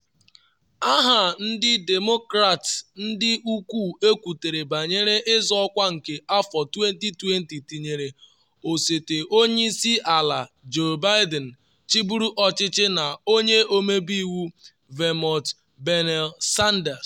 Aha ndị Demokrat ndị ukwuu ekwutere banyere ịzọ ọkwa nke 2020 tinyere Osote Onye Isi Ala Joe Biden chịburu ọchịchị na Onye Ọmebe iwu Vermont Bernie Sanders.